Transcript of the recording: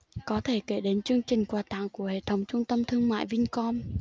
có thể kể đến chương trình quà tặng của hệ thống trung tâm thương mại vincom